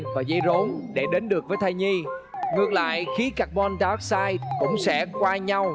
vào dây rốn để đến được với thai nhi ngược lại khí cạc bon đai ép sai cũng sẽ qua nhau